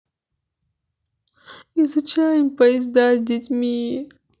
изучаем поезда с детьми